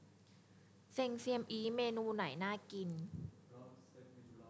เซงเซียมอี๊เมนูไหนน่ากิน